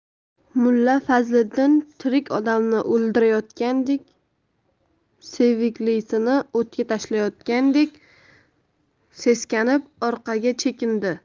mulla fazliddin tirik odamni o'ldirayotgandek seviklisini o'tga tashlayotgandek seskanib orqaga chekindi